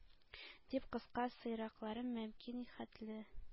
Дип, кыска сыйракларын мөмкин хәтле